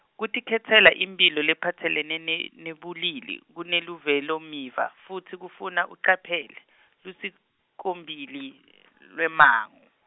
Kutikhetsela imphilo lephatselene ne- nebulili, kuneluvelomiva, futsi kufuna ucaphele, lusikomphilo lwemmango.